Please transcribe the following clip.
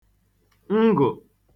ngụ̀